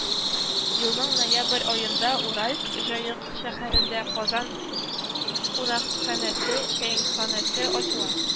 Елның ноябрь аенда уральск (җаек) шәһәрендә «казан» кунакханәсе (чәйханәсе) ачыла